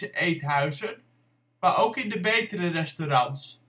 eethuizen, maar ook in de betere restaurants